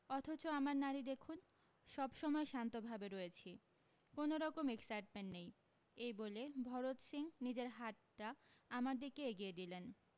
অথচ আমার নাড়ী দেখুন সব সময় শান্তভাবে রয়েছি কোনরকম এক্সাইটমেণ্ট নেই এই বলে ভরত সিং নিজের হাতটা আমার দিকে এগিয়ে দিলেন